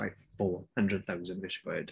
Like four hundred thousand ish quid.